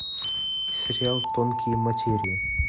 сериал тонкие материи